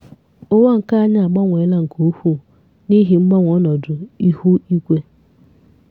Ụwa nke anyị agbanweela nke ukwuu n'ihi mgbanwe ọnọdụ ihu igwe.”